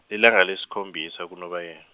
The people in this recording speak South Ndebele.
lilanga lesikhombisa kuNobayeni.